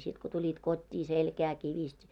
sitten kun tulit kotiin selkää kivisti